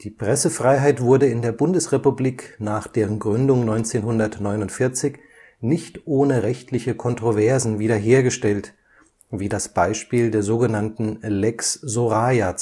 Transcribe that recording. Pressefreiheit wurde in der Bundesrepublik nach deren Gründung 1949 nicht ohne rechtliche Kontroversen wiederhergestellt wie das Beispiel der sog. Lex Soraya